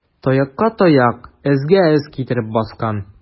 Тоякка тояк, эзгә эз китереп баскан.